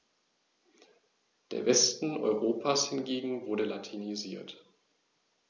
Der Westen Europas hingegen wurde latinisiert.